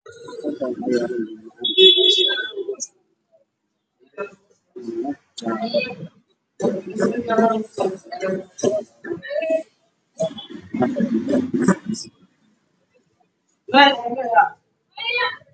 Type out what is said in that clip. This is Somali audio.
Meeshaan waxaa yaalo liin badan oo jaalo ah